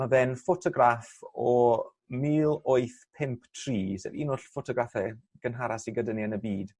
Ma' fe'n ffotograff o mil wyth pump tri s- un o'r ffotograffe gynhara sy gyda ni yn y byd.